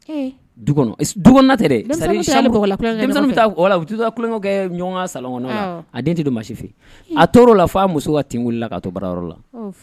E, du kɔnɔ, dukɔnɔna tɛ dɛ, c'est à dire voila u bɛ taa tulonkɛ kɛ ɲɔgɔn ka salon kɔnɔnaw na, awɔ, a den tɛ maa si fɛ yen, i, a tor'o la fo a uso ka tin wulila k'a to baarayɔrɔ la